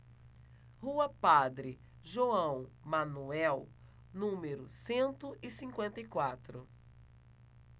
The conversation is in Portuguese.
rua padre joão manuel número cento e cinquenta e quatro